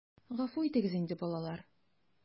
Гафу итегез инде, балалар...